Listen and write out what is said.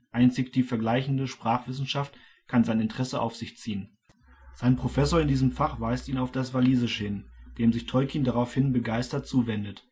Einzig die » Vergleichende Sprachwissenschaft « kann sein Interesse auf sich ziehen; sein Professor in diesem Fach weist ihn auf das Walisische hin, dem sich Tolkien daraufhin begeistert zuwendet